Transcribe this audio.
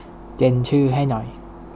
เจนชื่อให้หน่อย